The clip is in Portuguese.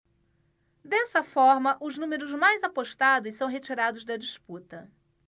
dessa forma os números mais apostados são retirados da disputa